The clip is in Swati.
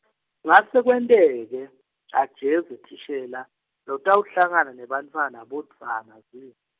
kungase kwenteke, aje thishela, lotawuhlangana nebantfwana bodvwana zwi.